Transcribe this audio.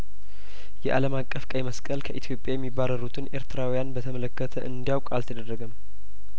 የአለም አቀፍ ቀይመስቀል ከኢትዮጵያ የሚባረሩትን ኤርትራውያን በተመለከተ እንዲያውቅ አልተደረገም